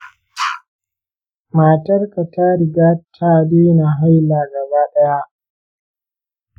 matarka ta riga ta daina haila gaba ɗaya?